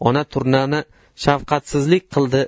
ona turnani shafqatsizlik qildi